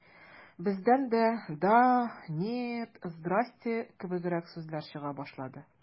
Бездән дә «да», «нет», «здрасте» кебегрәк сүзләр чыга башлады.